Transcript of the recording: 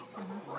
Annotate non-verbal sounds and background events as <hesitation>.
<hesitation> <hesitation>